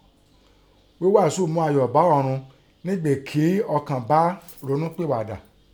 Ghẹ́ghàásù mú ayọ̀ bá ọ̀run nígbì kí ọkàn kàn bá ronúpìàdà.